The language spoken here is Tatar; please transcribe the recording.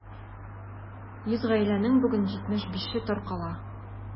100 гаиләнең бүген 75-е таркала.